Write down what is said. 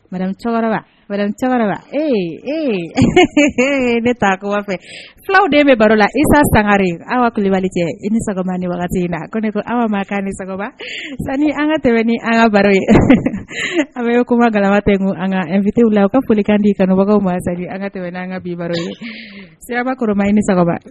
Bara ee ee ne taa fɛ fulaw de bɛ baro la i ta sangare aw kabali kɛ i ni sagoba ni in la ko ne ko aw ma ni sago sani an ka tɛmɛ ni an ka baro ye an bɛ ye kuma gaba tɛ kun an ka an fitw la aw ka folikan di i kabagaw ma an ka tɛmɛ ni an ka bi baro ye siraba koroma i ni sago